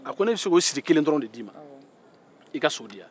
a ko ne bɛ se k'o sirikelen dɔrɔn de d'i man i ka so di yan